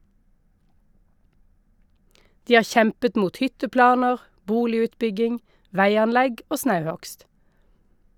De har kjempet mot hytteplaner, boligutbygging, veianlegg og snauhugst.